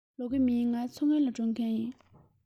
ལོག གི མིན ང མཚོ སྔོན ལ འགྲོ མཁན ཡིན